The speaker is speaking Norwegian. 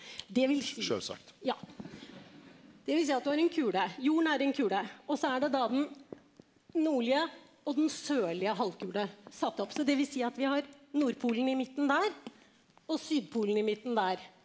det vil ja dvs. at du har en kule jorden er en kule og så er det da den nordlige og den sørlige halvkule satt opp, så dvs. at vi har Nordpolen i midten der og Sydpolen i midten der.